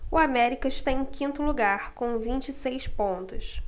o américa está em quinto lugar com vinte e seis pontos